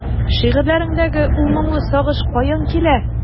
Шигырьләреңдәге ул моңлы сагыш каян килә?